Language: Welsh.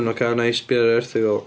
Oce wna i sbio ar yr erthygl.